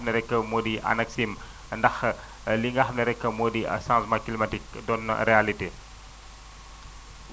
xam e rek moo di ANACIM ndax li nga xam ne rek moo di changement climatique doon na réalité